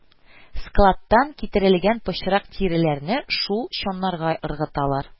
Складтан китерелгән пычрак тиреләрне шул чаннарга ыргыталар